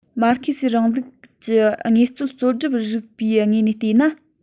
མར ཁེ སིའི རིང ལུགས ཀྱི དངོས གཙོ རྩོད སྒྲུབ རིག པའི ངོས ནས བལྟས ན